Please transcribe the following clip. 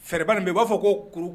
Fɛrɛba min bɛ yen u b'a fɔ ko kuru